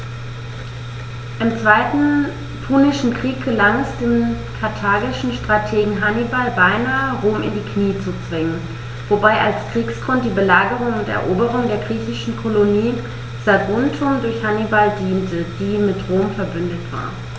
Im Zweiten Punischen Krieg gelang es dem karthagischen Strategen Hannibal beinahe, Rom in die Knie zu zwingen, wobei als Kriegsgrund die Belagerung und Eroberung der griechischen Kolonie Saguntum durch Hannibal diente, die mit Rom „verbündet“ war.